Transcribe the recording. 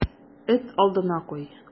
Эт алдына куй.